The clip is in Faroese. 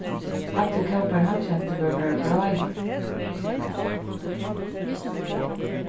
allir kópar hann kendi vóru bara gráir